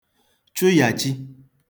chụyachi